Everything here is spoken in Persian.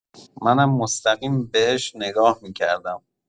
منم مستقیم بهش نگاه می‌کردم.